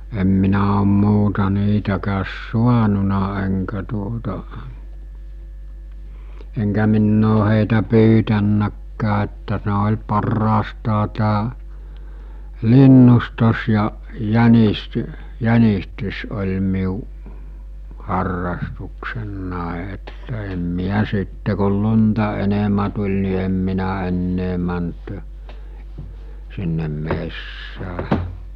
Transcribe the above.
en minä ole muuta niitäkään saanut enkä tuota enkä minä ole heitä pyytänytkään että ne oli parhaastaan tämä linnustaminen ja - jänistys oli minun harrastukseni että en minä sitten kun lunta enemmän tuli niin en minä enää mennyt sinne metsään